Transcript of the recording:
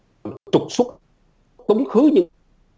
trục xuất tống khứ đi